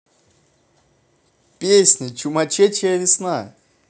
песня чумачечая весна